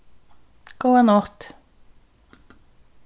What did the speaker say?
góða nátt